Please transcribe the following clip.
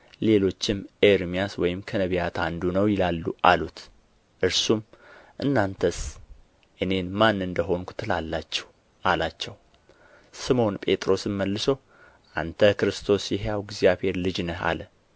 ሌሎችም ኤርምያስ ወይም ከነቢያት አንዱ ነው ይላሉ አሉት እርሱም እናንተስ እኔን ማን እንደ ሆንሁ ትላላችሁ አላቸው ስምዖን ጴጥሮስም መልሶ አንተ ክርስቶስ የሕያው እግዚአብሔር ልጅ ነህ አለ